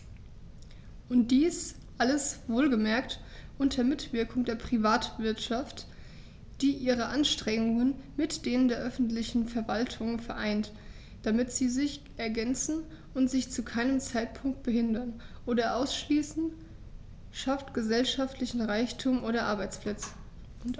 Und dies alles - wohlgemerkt unter Mitwirkung der Privatwirtschaft, die ihre Anstrengungen mit denen der öffentlichen Verwaltungen vereint, damit sie sich ergänzen und sich zu keinem Zeitpunkt behindern oder ausschließen schafft gesellschaftlichen Reichtum und Arbeitsplätze.